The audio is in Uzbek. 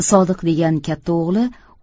sodiq degan katta o'g'li